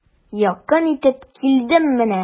Якын итеп килдем менә.